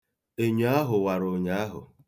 Enyo ahụ wara ụnyaahụ.